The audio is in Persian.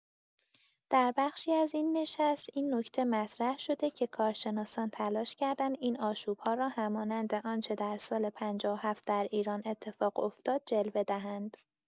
در بخشی از این نشست این نکته مطرح‌شده که کارشناسان تلاش کردند این آشوب‌ها را همانند آنچه در سال ۵۷ در ایران اتفاق افتاد جلوه دهند.